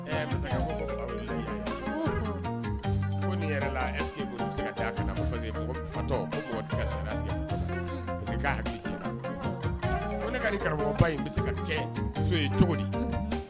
Ɛɛ masakɛ ko ko fa wulila i la ye unhun ko nin yɛrɛ la est ce que olu be se ka kɛ a kalama parce que mɔgɔ m fatɔ ko mɔgɔ tise ka charia tigɛ hunn parce que k'a hakili ti ye ko ne ka nin karamɔgɔba in be se ka kɛ so yen cogodi